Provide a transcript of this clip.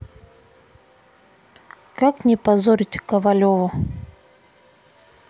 как не позорить ковалеву